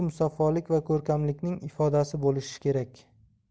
musaffolik va ko'rkamlikning ifodasi bo'lishi kerak